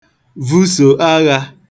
vusò aghā